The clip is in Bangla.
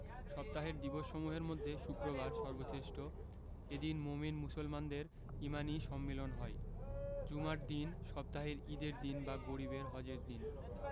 সপ্তাহের দিবসসমূহের মধ্যে শুক্রবার সর্বশ্রেষ্ঠ এদিন মোমিন মুসলমানদের ইমানি সম্মিলন হয় জুমার দিন সপ্তাহের ঈদের দিন বা গরিবের হজের দিন